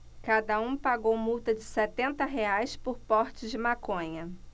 cada um pagou multa de setenta reais por porte de maconha